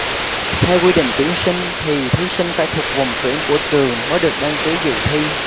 theo quy định tuyển sinh thì thí sinh phải thuộc vùng tuyển của trường mới được đăng ký dự thi